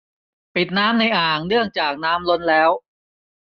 ปิดน้ำในอ่างเนื่องจากน้ำล้นแล้ว